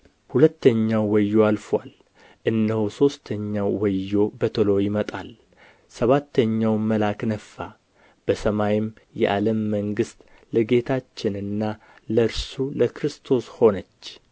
ሁለተኛው ወዮ አልፎአል እነሆ ሦስተኛው ወዮ በቶሎ ይመጣል ሰባተኛው መልአክ ነፋ በሰማይም የዓለም መንግሥት ለጌታችንና ለእርሱ ለክርስቶስ ሆነች